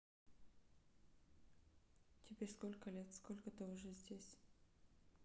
тебе сколько лет сколько ты уже здесь